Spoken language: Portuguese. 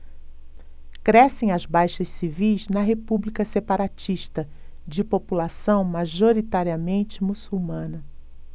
crescem as baixas civis na república separatista de população majoritariamente muçulmana